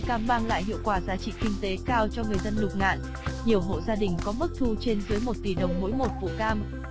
cây cam mang lại hiệu quả giá trị kinh tế cao cho người dân lục ngạn nhiều hộ gia đình có mức thu trên dưới tỷ đồng vụ cam